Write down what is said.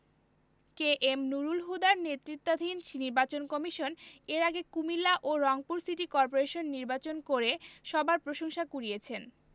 কে M Nurul হুদার নেতৃত্বাধীন নির্বাচন কমিশন এর আগে কুমিল্লা ও রংপুর সিটি করপোরেশন নির্বাচন করে সবার প্রশংসা কুড়িয়েছেন